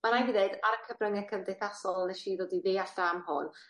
ma' rai fi ddeud ar cyfrynge cymdeithasol nesh i ddod i ddeall o am hon.